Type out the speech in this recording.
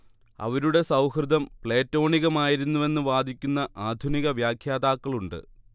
അവരുടെ സൗഹൃദം പ്ലേറ്റോണികമായിരുന്നുവെന്ന് വാദിക്കുന്ന ആധുനിക വ്യാഖ്യാതാക്കളുണ്ട്